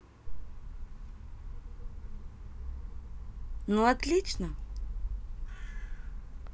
ну отлично